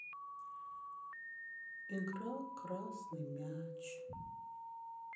игра красный мяч